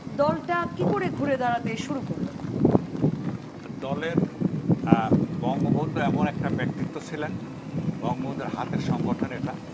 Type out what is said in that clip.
দলটা কি করে ঘুরে দাঁড়াতে শুরু করলো দলের বঙ্গবন্ধু এমন একটা ব্যক্তিত্ব ছিলেন বঙ্গবন্ধুর হাতের সংগঠন এটা